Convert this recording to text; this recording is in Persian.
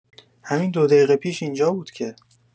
همین دو دیقه پیش اینجا بود که